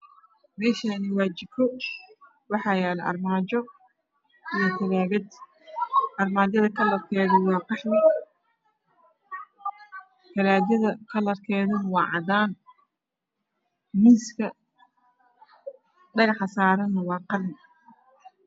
Mashan waa jiko wax usamesan mis kalar kisi yahay dahabi iyo qahwi wax masha yalo talagad kalar kedo yahay cadan